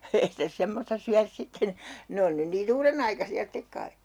ei sitä semmoista syödä sitten ne on nyt niin uudenaikaisia sitten kai